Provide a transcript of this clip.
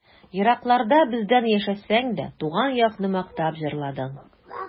Еракларда бездән яшәсәң дә, Туган якны мактап җырладың.